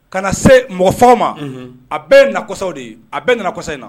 Ka na se mɔgɔ fɔ ma a bɛɛ nakɔsaw de ye a bɛɛ nasa in na